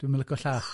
Dwi'm yn licio llath.